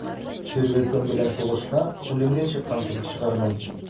«фергюсон белән сугышка үлемгә чыккан кебек чыгармын»